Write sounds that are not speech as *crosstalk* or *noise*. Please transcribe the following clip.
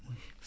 *hesitation* *hesitation*